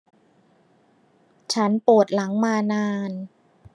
ฉันปวดหลังมานาน